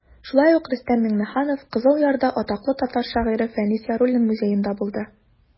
Шулай ук Рөстәм Миңнеханов Кызыл Ярда атаклы татар шагыйре Фәнис Яруллин музеенда булды.